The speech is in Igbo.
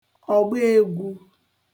ọ̀gba ēgwu